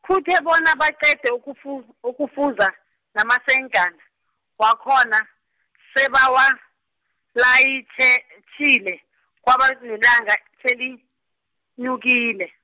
kuthe bona baqede ukufu- ukufuza namasenkana, wakhona, sebawalayitjhe -tjhile kwabe nelanga , selenyukile.